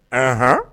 Anhan.